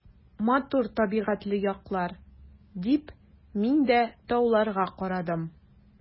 Матур табигатьле яклар, — дип мин дә тауларга карадым.